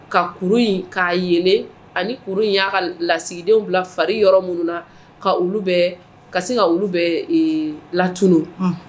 Ka kuru in k'a ye ani in y'a lasigidenw bila faririn yɔrɔ minnu na ka olu bɛ ka sin ka olu bɛ latun